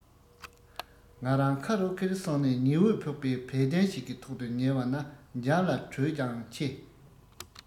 ང རང ཁ རོག གེར སོང ནས ཉི འོད ཕོག པའི བལ གདན ཞིག གི ཐོག ཏུ ཉལ བ ན འཇམ ལ དྲོད ཀྱང ཆེ